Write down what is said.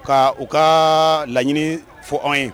Ka u ka laɲini fɔ anw ye